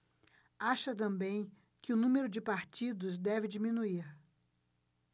acha também que o número de partidos deve diminuir